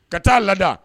Ka t taa'a laada